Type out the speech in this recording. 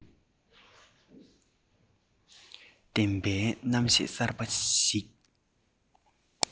ལྡན པའི རྣམ ཤེས གསར པ ཞིག